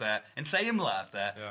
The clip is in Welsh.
...de, yn lle i ymladd de... Ia.